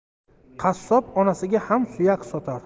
qassob onasiga ham suyak sotar